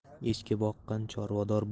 echki boqqan chorvador